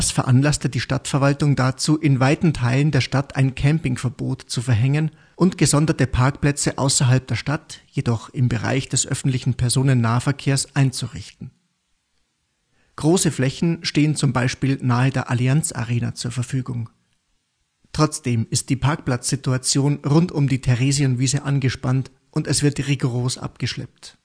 veranlasste die Stadtverwaltung dazu, in weiten Teilen der Stadt ein Campingverbot zu verhängen und gesonderte Pärkplätze außerhalb der Stadt, jedoch im Bereich des öffentlichen Personennahverkehrs einzurichten. Große Flächen stehen zum Beispiel nahe der Allianz Arena zur Verfügung. Trotzdem ist die Parkplatzsituation rund um die Theresienwiese angespannt und es wird rigoros abgeschleppt